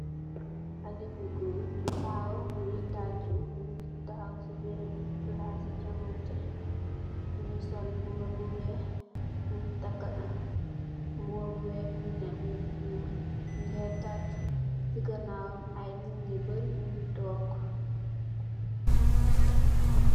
Haleh bu gorre bu takhaw mui taachu, mungy takhaw ci beureubu plassi johnganteh, mungy sol mbuba bu wekh, mungy takah mbuba bu wekh bii mungy ameh lu njull, mungeh taachu, cii ganawam aiiy nitt nju bari njungy tok.